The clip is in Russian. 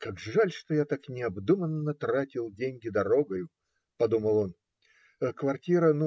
"Как жаль, что я так необдуманно тратил деньги дорогою, - подумал он. - Квартира.